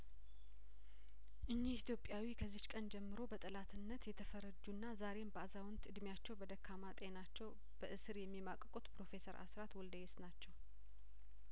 እኒህ ኢትዮጵያዊ ከዚያች ቀን ጀምሮ በጠላትነት የተፈረጁና ዛሬም በአዛውንት እድሜአቸው በደካማ ጤናቸው በእስር የሚማቅቁት ፕሮፌሰር አስራት ወልደየስ ናቸው